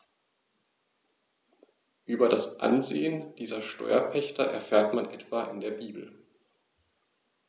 Über das Ansehen dieser Steuerpächter erfährt man etwa in der Bibel.